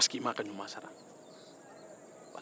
pariseke i m'a ka ɲuman sara